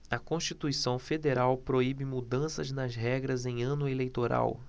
a constituição federal proíbe mudanças nas regras em ano eleitoral